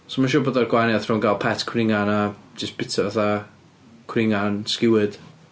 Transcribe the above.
So ma' siŵr bod o'r gwahaniaeth rhwng cael pet cwningan a jyst byta fatha cwningan skewered.